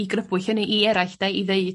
i grybwyll hynny i eraill 'de i ddeud...